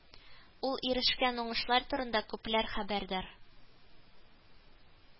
Ул ирешкән уңышлар турында күпләр хәбәрдар